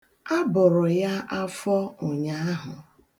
A bọrọ ya afọ ụnyaahụ.